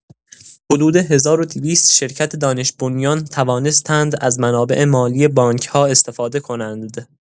حدود ۱۲۰۰ شرکت دانش‌بنیان توانستند از منابع مالی بانک‌ها استفاده کنند.